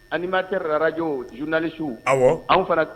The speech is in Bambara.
An m'a kɛra ararajo zinali su aw anw fana